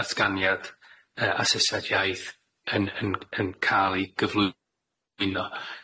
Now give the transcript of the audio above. ddatganiad yy asesiad iaith yn yn yn ca'l i gyflwyno.